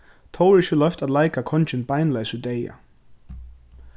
tó er ikki loyvt at leika kongin beinleiðis í deyða